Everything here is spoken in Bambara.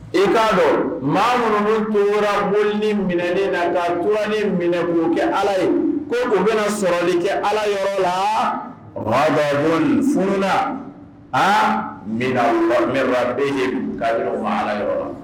I k'a dɔn maa minnu min tora moli ni minɛen na ka kurauran ni minɛ k'o kɛ ala ye ko u bɛna sɔrɔli kɛ ala yɔrɔ la wa bɛ mɔni furula a bɛna bɛ yen ka faa ala yɔrɔ la